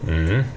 ja.